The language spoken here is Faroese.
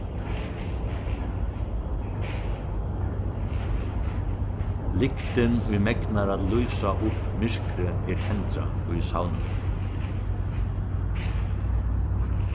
lyktin ið megnar at lýsa upp myrkrið er tendrað í savninum